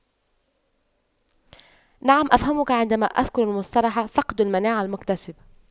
نعم أفهمك عندما اذكر المصطلح فقد المناعة المكتسبة